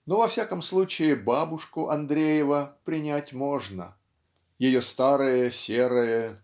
но во всяком случае "бабушку" Андреева принять можно ее "старое серое